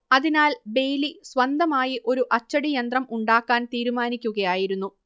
അതിനാൽ ബെയ്ലി സ്വന്തമായി ഒരു അച്ചടിയന്ത്രം ഉണ്ടാക്കാൻ തീരുമാനിക്കുകയായിരുന്നു